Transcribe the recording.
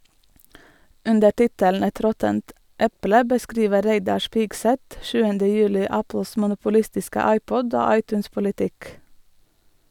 Under tittelen «Et råttent eple» beskriver Reidar Spigseth 7. juli Apples monopolistiske iPod- og iTunes-politikk.